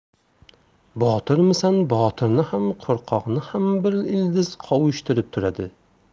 botirmisan botirni ham qo'rqoqni ham bir ildiz qovushtirib turadi